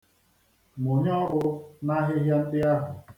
Mụnye ọkụ n'ahịhịa ndị ahu!